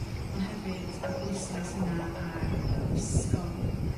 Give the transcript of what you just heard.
Ond hefyd y pwyslais yna ar wisgo